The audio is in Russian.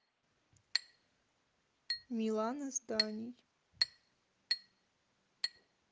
милана с даней